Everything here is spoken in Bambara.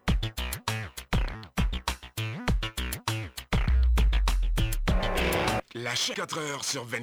La 4 sur 20